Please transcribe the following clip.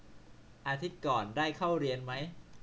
อาทิตย์ก่อนได้เข้าเรียนมั้ย